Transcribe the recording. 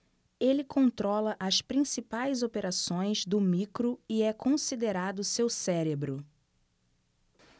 ele controla as principais operações do micro e é considerado seu cérebro